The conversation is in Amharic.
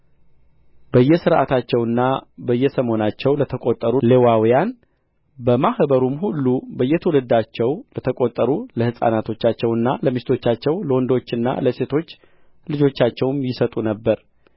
በየሥርዓታቸውና በየሰሞናቸው ለተቈጠሩ ሌዋውያን በማኅበሩም ሁሉ በየትውልዳቸው ለተቈጠሩ ለሕፃናቶቻቸውና ለሚስቶቻቸው ለወንዶችና ለሴቶች ልጆቻቸውም ይሰጡ ነበር